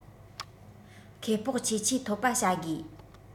ཁེ སྤོགས ཆེས ཆེ འཐོབ པ བྱ དགོས